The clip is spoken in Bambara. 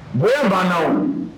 Bonya ban na wo.